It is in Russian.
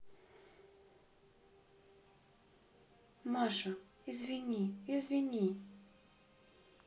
маша извини извини